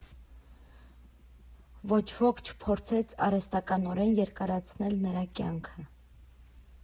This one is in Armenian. Ոչ ոք չփորձեց արհեստականորեն երկարացնել նրա կյանքը։